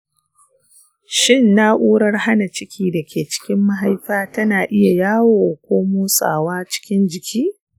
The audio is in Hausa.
shin na’urar hana ciki da ke cikin mahaifa tana iya yawo ko motsawa cikin jiki?